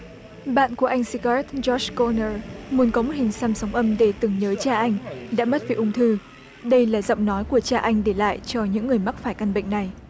bạn của anh du gót trót co nơ muốn cống một hình xăm sóng âm để tưởng nhớ cha anh đã mất vì ung thư đây là giọng nói của cha anh để lại cho những người mắc phải căn bệnh này